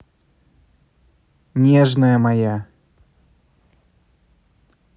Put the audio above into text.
нежная моя